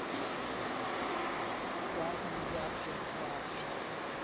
сафин габдельфат